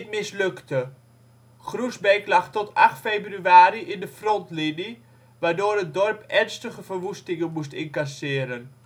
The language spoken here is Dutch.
mislukte. Groesbeek lag tot 8 februari in de frontlinie waardoor het dorp ernstige verwoestingen moest incasseren